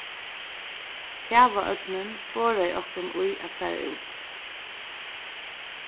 kavaódnin forðaði okkum í at fara út